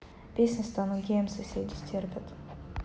песня стану геем соседи стерпят